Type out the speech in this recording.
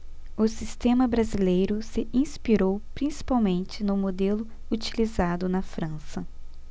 o sistema brasileiro se inspirou principalmente no modelo utilizado na frança